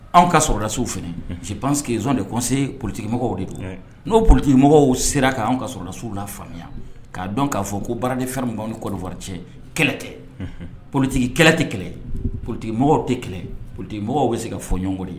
Anw ka sɔrɔlasiww f sisekeson de kɔse politigimɔgɔ de don n'o politigimɔgɔ sera k'an kalasiww la faamuya k'a dɔn k'a fɔ ko baaraden fɛnmu ni kɔrɔfɔfɔ cɛ kɛlɛ tɛ politigi kɛlɛ tɛ kɛlɛ politigimɔgɔ tɛ kɛlɛ politigimɔgɔ bɛ se ka fɔ ɲɔgɔnɔn ye